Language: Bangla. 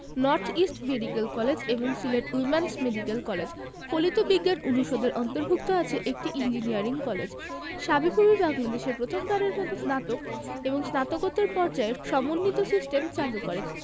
নর্থ ইস্ট মেডিকেল কলেজ এবং সিলেট উইম্যানস মেডিকেল কলেজ ফলিত বিজ্ঞান অনুষদের অন্তর্ভুক্ত আছে একটি ইঞ্জিনিয়ারিং কলেজ সাবিপ্রবি বাংলাদেশে প্রথম বারের মতো স্নাতক এবং স্নাতকোত্তর পর্যায়ে সমন্বিত সিস্টেম চালু করে